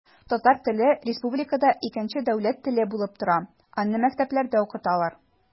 Татар теле республикада икенче дәүләт теле булып тора, аны мәктәпләрдә укыталар.